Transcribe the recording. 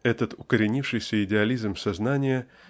Этот укоренившийся идеализм сознания